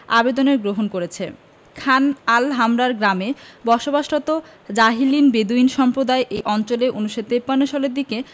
আবেদনের গ্রহণ করেছে খান আল হামরার গ্রামে বসবাসরত জাহালিন বেদুইন সম্প্রদায় এই অঞ্চলে ১৯৫৩ সালের দিকে